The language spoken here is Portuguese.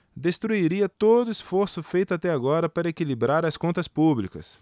destruiria todo esforço feito até agora para equilibrar as contas públicas